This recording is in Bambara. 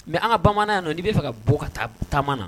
Mɛ an ka bamanan yan nɔ n'i b'a fɛ ka bɔ ka taa tamanan.